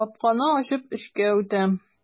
Капканы ачып эчкә үтәм.